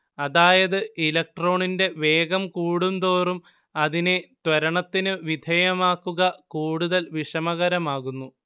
അതായത് ഇലക്ട്രോണിന്റെ വേഗം കൂടുതോറും അതിനെ ത്വരണത്തിന് വിധേയമാക്കുക കൂടുതൽ വിഷമകരമാകുന്നു